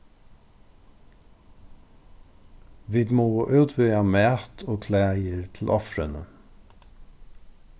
vit mugu útvega mat og klæðir til ofrini